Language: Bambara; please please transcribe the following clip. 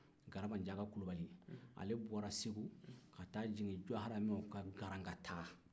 garanbajaka kulibali ale bɔra segu ka taa jigin jawɔrɔmɛw kan garakanta